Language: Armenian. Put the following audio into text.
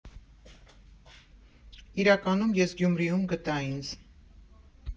Իրականում ես Գյումրիում գտա ինձ։